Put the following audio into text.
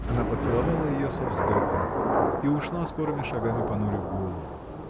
Она поцеловала ее со вздохом и ушла скорыми шагами, понурив голову.